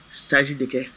Saji de kɛ